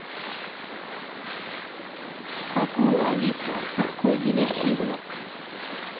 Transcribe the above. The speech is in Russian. какую алиса какой беляши блядь